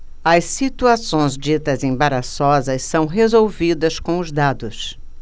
as situações ditas embaraçosas são resolvidas com os dados